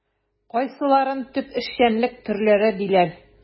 Кайсыларын төп эшчәнлек төрләре диләр?